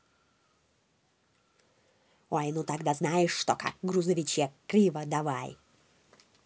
ой ну тогда знаешь что как грузовичек криво давай